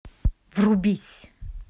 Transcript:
врубись